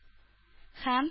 Һәм